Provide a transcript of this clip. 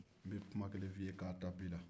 n bɛ kuma kelen f'i ye k'a ta bi la